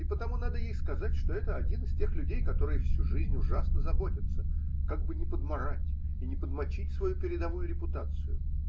и потому надо ей сказать, что это один из тех людей, которые всю жизнь ужасно заботятся, как бы не подмарать и не подмочить свою передовую репутацию.